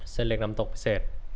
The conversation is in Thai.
เส้นเล็กน้ำตกพิเศษ